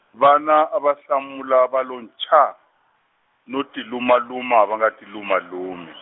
vana a va hlamula va lo nchaa, no tilumaluma va nga tilumalumi.